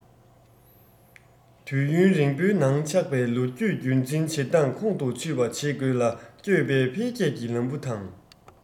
དུས ཡུན རིང པོའི ནང ཆགས པའི ལོ རྒྱུས རྒྱུན འཛིན བྱེད སྟངས ཁོང དུ ཆུད པ བྱེད དགོས ལ བསྐྱོད པའི འཕེལ རྒྱས ཀྱི ལམ བུ དང